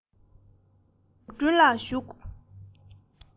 ཕ ཡུལ གྱི འཛུགས སྐྲུན ལ ཞུགས